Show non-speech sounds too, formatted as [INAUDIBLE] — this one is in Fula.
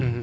[HESITATION] [HESITATION]